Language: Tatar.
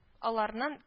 Аларнын